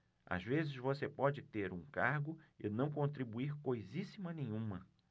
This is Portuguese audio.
às vezes você pode ter um cargo e não contribuir coisíssima nenhuma